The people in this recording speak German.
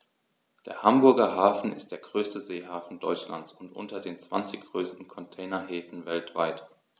Der Hamburger Hafen ist der größte Seehafen Deutschlands und unter den zwanzig größten Containerhäfen weltweit.